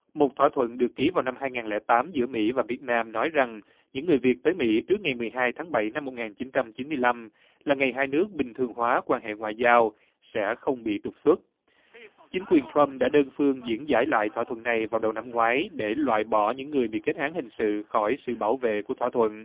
một thỏa thuận được ký vào năm hai ngàn lẻ tám giữa mỹ và việt nam nói rằng những người việt tới mỹ trước ngày mười hai tháng bảy năm một ngàn chín trăm chín mươi lăm là ngày hai nước bình thường hóa quan hệ ngoại giao sẽ không bị trục xuất chính quyền trăm đã đơn phương diễn giải lại thỏa thuận này vào đầu năm ngoái để loại bỏ những người bị kết án hình sự khỏi sự bảo vệ của thỏa thuận